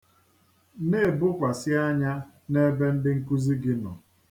Na-ebokwasị anya n'ebe ndị nkụzi gị nọ.